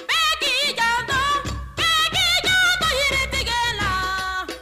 Maa ktigi jaba k' ka tɛ tiga la